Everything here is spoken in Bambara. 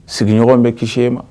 Sigiɲɔgɔn bɛ kis e ma